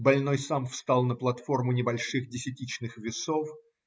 больной сам встал на платформу небольших десятичных весов